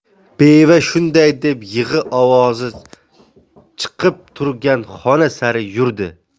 beva shunday deb yig'i ovozi chiqib turgan xona sari yurdi